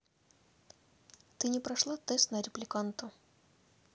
ты не прошла тест на репликанта